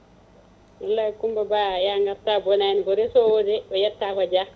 wallay Coumba Ba ya garta bonani ko réseau o ni o yetta ko Dia